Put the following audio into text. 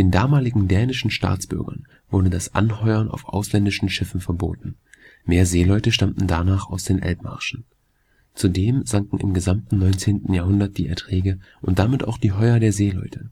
damaligen dänischen Staatsbürgern wurde das Anheuern auf ausländischen Schiffen verboten. Mehr Seeleute stammten danach aus den Elbmarschen. Zudem sanken im gesamten 19. Jahrhundert die Erträge und damit auch die Heuer der Seeleute